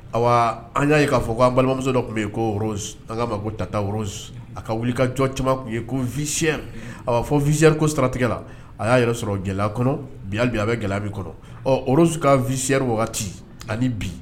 Ayiwa an y'a ye k'a fɔ ko'an balimamuso dɔ tun bɛ yen ko ka ma ta taa a ka wuli kajɔ caman ye ko vsiyɛn a b'a fɔ viri ko saratigɛ la a y'a yɛrɛ sɔrɔ gɛlɛya kɔnɔ bi a bɛ gɛlɛya min kɔnɔ ɔ ka visiri wagati ani bi